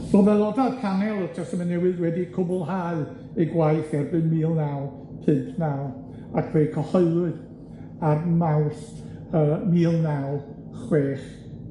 Ro'dd aeloda'r panel y Testament Newydd wedi cwblhau eu gwaith erbyn mil naw pump naw, ac fe'i cyhoeddwyd ar Mawrth yy mil naw chwech